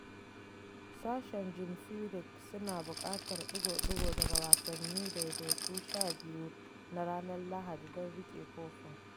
Sashen Jim Furyk suna buƙatar ɗigo-ɗigo daga wasanni ɗaiɗaiku 12 na ranar Lahadi don riƙe kofin.